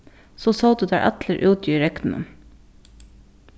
so sótu teir allir úti í regninum